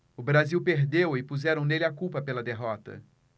o brasil perdeu e puseram nele a culpa pela derrota